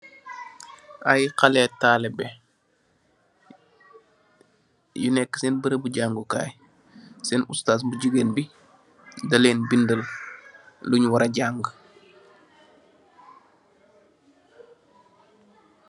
Aye haleh talibeh yu neka sen berebu jangekay sen oustass bu jegain bi dalen bedal lun wara jange.